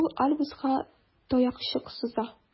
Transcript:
Ул Альбуска таякчык суза.